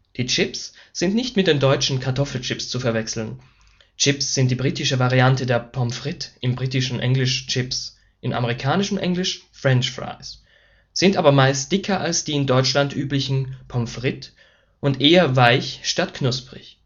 Die chips sind nicht mit den deutschen Kartoffelchips zu verwechseln. Chips sind die britische Variante der Pommes frites (im britischen Englisch chips, im amerikanischen English french fries), sind aber meist dicker als die in Deutschland üblichen Pommes frites und eher weich statt knusprig